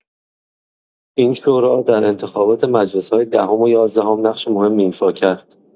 این شورا در انتخابات مجلس‌‌های دهم و یازدهم نقش مهمی ایفا کرد.